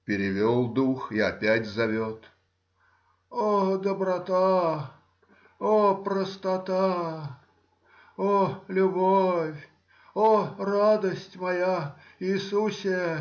Перевел дух и опять зовет: — О доброта. о простота. о любовь!. о радость моя!. Иисусе!.